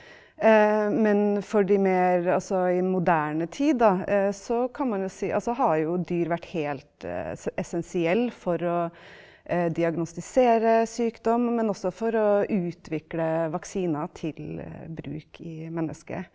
men for de mer altså i moderne tid da så kan man jo si altså har jo dyr vært helt essensiell for å diagnostisere sykdom, men også for å utvikle vaksiner til bruk i mennesket.